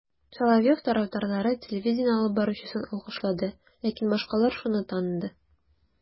Соловьев тарафдарлары телевидение алып баручысын алкышлады, ләкин башкалар шуны таныды: